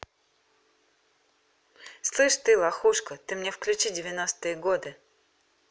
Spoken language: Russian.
слышь ты лохушка ты мне включи девяностые годы